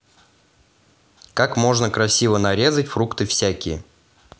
как можно красиво нарезать фрукты всякие